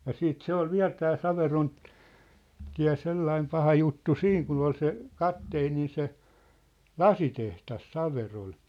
ja sitten se oli vielä tämä - Saverontie sellainen paha juttu siinä kun oli se kapteenin se lasitehdas Saverolla